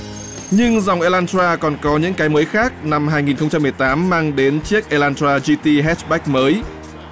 nhưng dòng ê lan tra còn có những cái mới khác năm hai nghìn không trăm mười tám mang đến chiếc ê lan tra gin ti hát chếch mới